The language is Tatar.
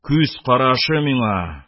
Күз карашы миңа: -